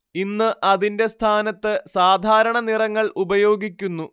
ഇന്ന് അതിന്റെ സ്ഥാനത്ത് സാധാരണ നിറങ്ങൾ ഉപയോഗിക്കുന്നു